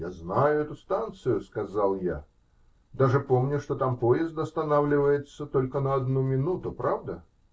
-- Я знаю эту станцию, -- сказал я, -- даже помню, что там поезд останавливается только на одну минуту. Правда?